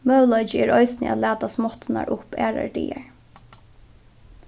møguleiki er eisini at lata smátturnar upp aðrar dagar